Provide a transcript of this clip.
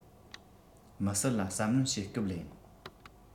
མི སེར ལ གསབ སྣོན བྱེད སྐབས ལེན